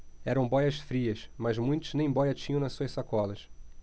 eram bóias-frias mas muitos nem bóia tinham nas suas sacolas